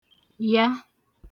ya